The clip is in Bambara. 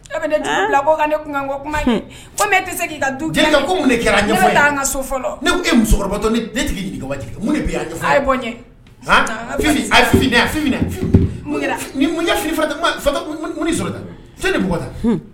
Labɔ ka ne kuma tɛ se k' du mun kɛra an ka so fɔlɔ ne musokɔrɔbaba ye a a sɔrɔ sani bug la